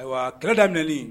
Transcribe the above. Ayiwa kɛlɛ daminen